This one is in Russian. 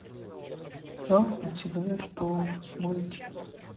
халк и человек паук мультик